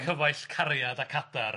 'Cyfaill cariad ac adar,'